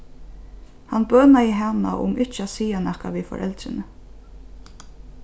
hann bønaði hana um ikki at siga nakað við foreldrini